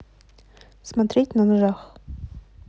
смотреть на ножах